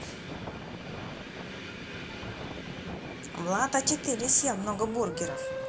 влад а четыре съел много бургеров